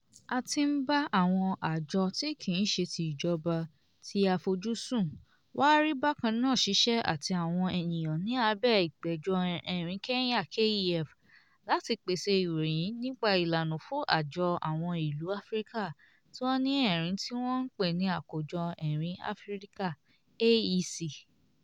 A ti ń bá àwọn àjọ tí kìí ṣe ti ìjọba tí àfojúsùn wa rí bákan náà ṣiṣẹ́ àti àwọn ènìyàn ní abẹ́ ìpéjọ erin Kenya(KEF) láti pèsè ìròyìn nípa ìlànà fún àjọ àwọn ìlú Áfríkà tí wọ́n ní erin tí wọ́n ń pè ní àkójọ erin Áfríkà (AEC).